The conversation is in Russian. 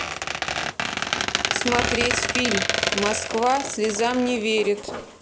смотреть фильм москва слезам не верит